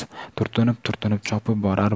turtinib turtinib chopib borar